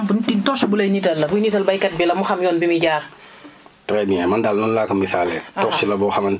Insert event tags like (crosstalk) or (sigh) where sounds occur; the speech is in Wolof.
(hesitation) (hesitation) kon daal prévisions yi jàpp nañu ne lampe torche bu lay niital la buy niital baykat bi la mu xam yoon bu muy jaar